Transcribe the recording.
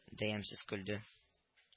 Дә ямьсез көлде